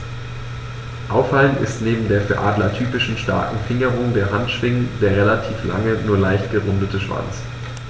Auffallend ist neben der für Adler typischen starken Fingerung der Handschwingen der relativ lange, nur leicht gerundete Schwanz.